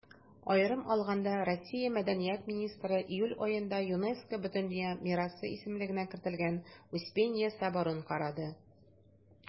Аерым алганда, Россия Мәдәният министры июль аенда ЮНЕСКО Бөтендөнья мирасы исемлегенә кертелгән Успенья соборын карады.